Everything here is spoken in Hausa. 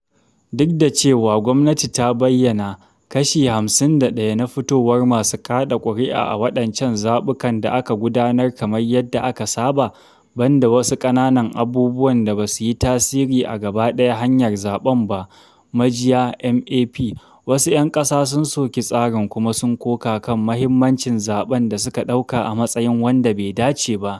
Duk da cewa gwamnati ta bayyana “kashi 51% na fitowar masu kaɗa ƙuri’a a waɗancan zaɓukan da aka gudanar kamar yadda aka saba, banda wasu ƙananan abubuwan da ba su yi tasiri a gaba ɗaya hanyar zaɓen ba” (majiya: MAP), wasu 'yan ƙasa sun soki tsarin kuma sun koka kan muhimmancin zaɓen da suka ɗauka a matsayin wanda bai dace ba.